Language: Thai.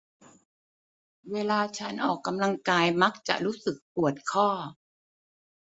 เวลาฉันออกกำลังกายมักจะรู้สึกปวดข้อ